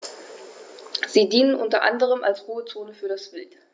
Sie dienen unter anderem als Ruhezonen für das Wild.